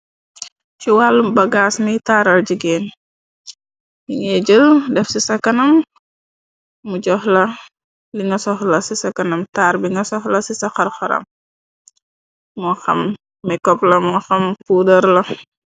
Ci wàllu bagaas mi taaral jigeen yi ngay jël def ci sa kanam. Mu joxla li nga soxla ci sa kanam taar bi nga soxla ci sa xar-xaram. Mo xam ma koppla mo xam puudar la.